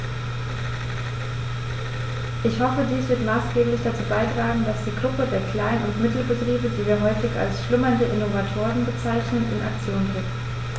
Ich hoffe, dies wird maßgeblich dazu beitragen, dass die Gruppe der Klein- und Mittelbetriebe, die wir häufig als "schlummernde Innovatoren" bezeichnen, in Aktion tritt.